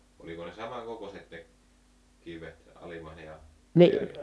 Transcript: oliko ne samankokoiset ne kivet alimmainen ja pyörivä